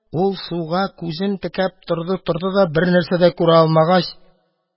Ул суга күзен текәп торды-торды да бернәрсә дә күрә алмагач: